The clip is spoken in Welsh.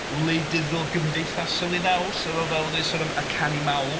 Wleidyddol gymdeithasol ei naws. fel dwi'n sôn am y canu mawl.